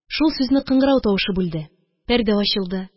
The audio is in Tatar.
Шул сүзне кыңгырау тавышы бүлде. Пәрдә ачылды.